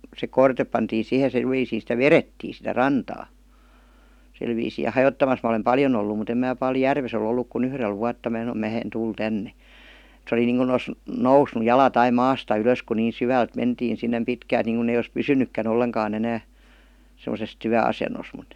se korte pantiin siihen sillä viisiin sitä vedettiin sitä rantaa sillä viisiin ja hajottamassa minä olen paljon ollut mutta en minä paljon järvessä ole ollut kuin yhdellä vuotta minä sanoin minä en tule tänne se oli niin kuin olisi noussut jalat aina maasta ylös kun niin syvältä mentiin sinne pitkältä niin kuin ei olisi pysynytkään ollenkaan enää semmoisessa työasennossa mutta